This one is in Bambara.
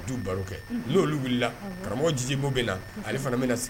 Baro kɛ n'olu wulila karamɔgɔ jibo bɛ na ale fana bɛna sigi